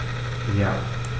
Ja.